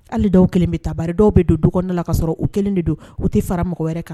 Hali dɔw kelen bɛ taba dɔw bɛ don duda la kasɔrɔ u kelen de don u tɛ fara mɔgɔ wɛrɛ kan